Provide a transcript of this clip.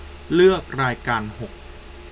เลือกรายการหก